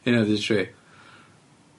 Heina 'di'r tri.